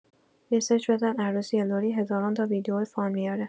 یه سرچ بزن عروسی لری هزاران تا ویدئو فان میاره.